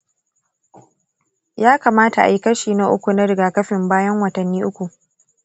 ya kamata a yi kashi na uku na rigakafin bayan watanni uku.